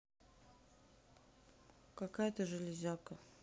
какая то железяка